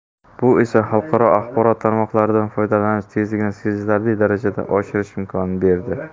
bu esa xalqaro axborot tarmoqlaridan foydalanish tezligini sezilarli darajada oshirish imkonini berdi